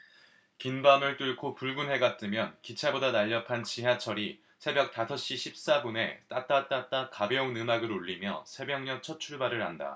긴 밤을 뚫고 붉은 해가 뜨면 기차보다 날렵한 지하철이 새벽 다섯시 십사분에 따따따따 가벼운 음악을 울리며 새벽녘 첫출발을 한다